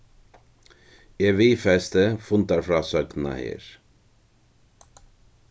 eg viðfesti fundarfrásøgnina her